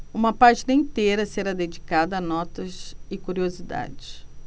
uma página inteira será dedicada a notas e curiosidades